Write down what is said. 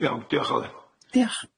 Iawn diolch o le. Dioch.